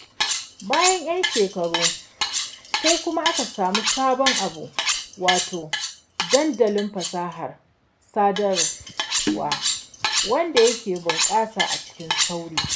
Bayan 'yan shekaru, sai kuma aka samu sabon abu, wato dandalin fasahar sadarwa, wanda yake bunƙasa cikin sauri.